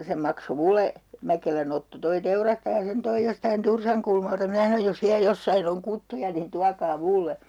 se maksoi minulle Mäkelän Otto tuo teurastaja sen toi jostakin Tursankulmalta minä sanoin jos vielä jossakin on kuttuja niin tuokaa minulle